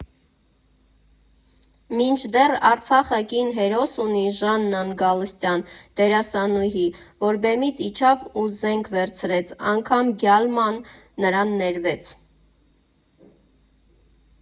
Մինչդեռ Արցախը կին հերոս ունի՝ Ժաննան Գալստյան՝ դերասանուհի, որ բեմից իջավ ու զենք վերցրեց (անգամ «գյալմա»֊ն նրան ներվեց)։